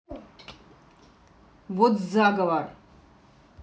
вот заговор